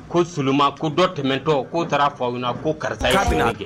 Ko seulement ko dɔ tɛmɛ tɔ ko taara fɔ aw ɲɛna ko karisa kɛ